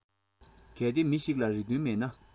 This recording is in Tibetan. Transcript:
གལ ཏེ མི ཞིག ལ རེ འདུན མེད ན